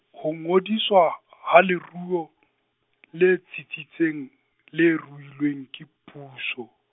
ho ngodiswa, ha leruo, le tsitsitseng, le ruilweng, ke puso.